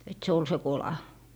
että se oli se kola